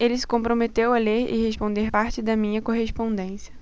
ele se comprometeu a ler e responder parte da minha correspondência